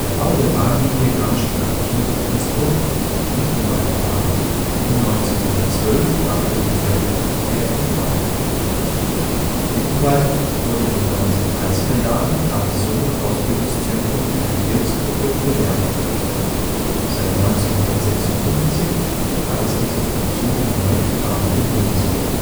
Bau der Bahnlinie Garmisch-Partenkirchen – Innsbruck (Mittenwaldbahn) um 1912 brachte den Fremdenverkehr in den Ort. Mittenwald wurde in den 1930er Jahren Garnison und Ausbildungszentrum der Gebirgstruppe der Wehrmacht. Seit 1956 hat es diese Funktion erneut im Rahmen der Bundeswehr